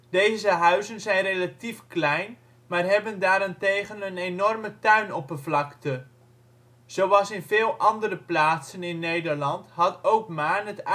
Deze huizen zijn relatief klein, maar hebben daarentegen een enorme tuinoppervlakte. Zoals in veel andere plaatsen in Nederland had ook Maarn het uitgangspunt